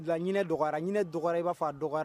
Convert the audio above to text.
Dɔgɔ dɔgɔ b'a fɔ a dɔgɔ